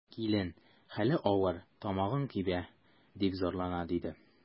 Килен: хәле авыр, тамагым кибә, дип зарлана, диде.